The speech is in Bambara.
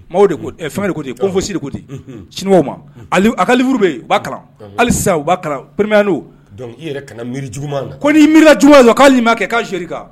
De fɛnkɛ de ko ten ko fosiriri ko ten c ma a ka uru bɛ u' kalan halisa u pya i yɛrɛ ka miiri jugu ko n'i miiri juguuma la k'aleli ma kɛ k' s zri kan